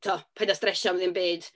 Tibod, paid â stresio am ddim byd.